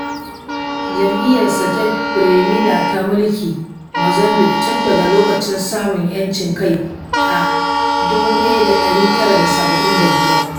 Jam'iyyarsa ta Fremilo ta mulki Mozambique tun daga lokacin samun 'yancin kai a 1975.